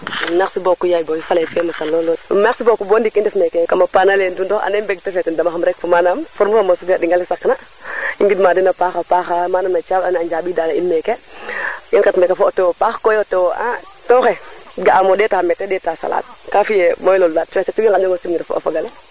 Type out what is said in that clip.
merci beaucoup Yaye Boy faley fe mosa lool lool merci beaucoup bo ndiik i ndef neeke kama paanale Ndoundokh ande mbekte fe dama xam rek manam forme fo mosu fe ɗingale saq na i ngiɗ ma den a paxa paax manam na caɓale ando naye a njambida in meeke i nget meeke fe o tewo maax koy a o tewo xe ga am ndeta mete ndeta salade ka yiye mooy lolou daal cungim xaƴoŋ o simnir fo o fogole